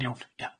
Iawn. Ia.